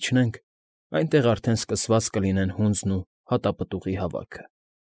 Իջնենք, այնտեղ արդեն սկսված կլինեն հունձն ու հատապտուղի հավաքը»։